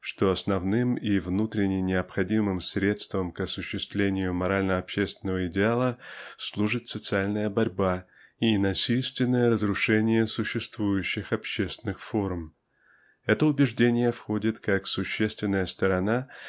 что основным и внутренне необходимым средством к осуществлению морально-общественного идеала служит социальная борьба и насильственное разрушение существующих общественных форм. Это убеждение входит как существенная сторона